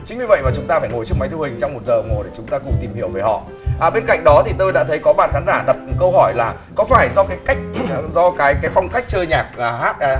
chính vì vậy mà chúng ta phải ngồi trước máy thu hình trong một giờ đồng hồ để chúng ta cùng tìm hiểu về họ bên cạnh đó thì tôi đã thấy có bạn khán giả đặt câu hỏi là có phải do cái cách do cái cái phong cách chơi nhạc và hát